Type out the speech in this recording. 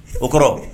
O kɔrɔ